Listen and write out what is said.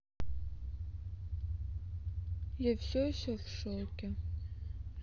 я все еще в шоке